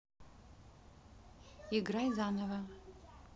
играй заново